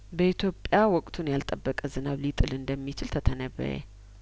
በኢትዮጵያ ወቅቱን ያልጠበቀ ዝናብ ሊጥል እንደሚችል ተተነበየ